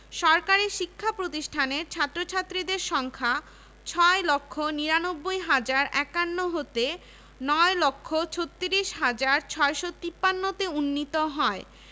১ লক্ষ ৫৪ হাজার ৩৫৮ টাকা অবস্থার উন্নতির ফলে ওই সংখ্যা দাঁড়িয়েছে ২ হাজার ৫৬০ ছাত্রছাত্রীতে